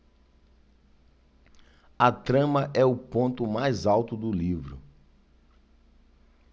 a trama é o ponto mais alto do livro